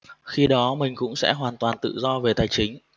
khi đó mình cũng sẽ hoàn toàn tự do về tài chính